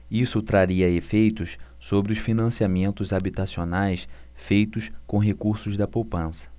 isso traria efeitos sobre os financiamentos habitacionais feitos com recursos da poupança